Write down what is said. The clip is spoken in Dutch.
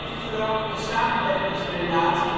Groningen samenwerkingsrelaties